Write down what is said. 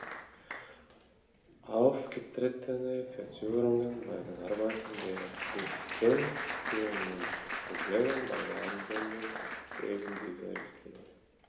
Aufgetretene Verzögerungen bei den Arbeiten des CEN führen nun zu Problemen bei der Anwendung eben dieser Richtlinie.